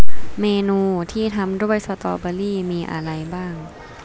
เมนูที่ทำด้วยสตอเบอร์รี่มีอะไรบ้าง